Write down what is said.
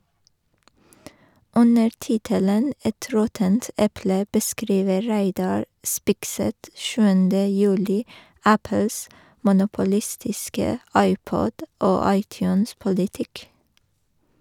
Under tittelen «Et råttent eple» beskriver Reidar Spigseth 7. juli Apples monopolistiske iPod- og iTunes-politikk.